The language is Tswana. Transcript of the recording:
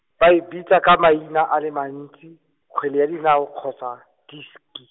ba e bitsa ka maina a le mantsi, kgwele ya dinao kgotsa, diski.